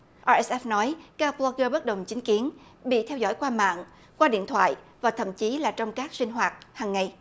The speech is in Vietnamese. ai ét ét nói các bờ lóc gơ bất đồng chính kiến bị theo dõi qua mạng qua điện thoại và thậm chí là trong các sinh hoạt hằng ngày